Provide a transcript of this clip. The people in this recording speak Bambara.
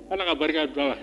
Ala ka barika don a la.